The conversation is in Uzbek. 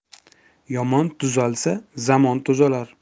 yomon tuzalsa zamon tuzalar